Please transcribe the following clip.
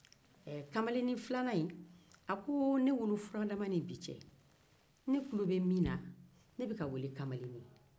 a ko ne wolofuradama ni sisan cɛ ne bɛka weele ko kamalennin